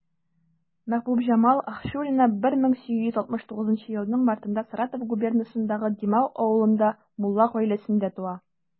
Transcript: Мәхбүбҗамал Акчурина 1869 елның мартында Саратов губернасындагы Димау авылында мулла гаиләсендә туа.